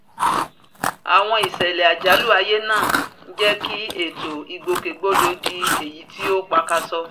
Àwọn ìṣẹ̀lẹ̀ àjálù ayé ma ń jẹ́kí ètò ìgbòkè-gbodò di èyi tí ó pakasọ.